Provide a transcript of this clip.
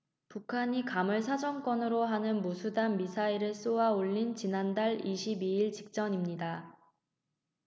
북한이 괌을 사정권으로 하는 무수단 미사일을 쏘아 올린 지난달 이십 이 일 직전입니다